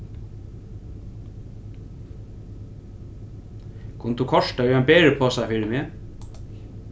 kundi tú koyrt tað í ein beriposa fyri meg